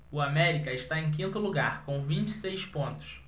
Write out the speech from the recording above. o américa está em quinto lugar com vinte e seis pontos